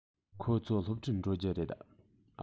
ཁོ ཚོ སློབ གྲྭར འགྲོ རྒྱུ རེད